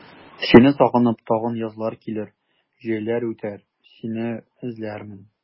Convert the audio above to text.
Сине сагынып тагын язлар килер, җәйләр үтәр, сине эзләрмен.